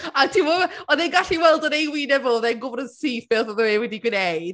A timod, oedd e'n gallu weld yn ei wyneb o oedd e'n gwybod yn syth be oedd o wedi gwneud.